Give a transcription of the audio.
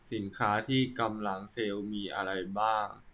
สินค้าที่กำลังเซลล์มีอะไรบ้าง